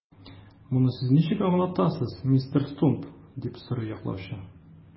Моны сез ничек аңлатасыз, мистер Стумп? - дип сорый яклаучы.